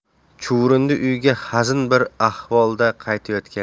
chuvrindi uyga hazin bir ahvolda qaytayotgan edi